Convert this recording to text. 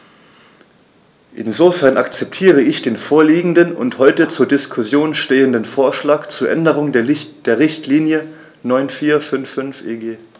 Insofern akzeptiere ich den vorliegenden und heute zur Diskussion stehenden Vorschlag zur Änderung der Richtlinie 94/55/EG.